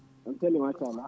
omo selli machallah